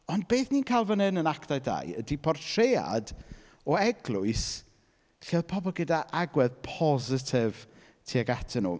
Ond beth ni'n cael fan hyn yn Actau dau ydy portread o Eglwys lle oedd pobl gyda agwedd positif tuag atyn nhw.